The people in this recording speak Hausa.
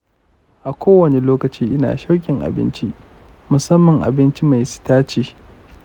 a kowane lokaci ina shauƙin abinci, musamman abinci mai sitaci.